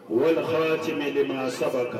Wala ha wagatimɛ de ma saba kan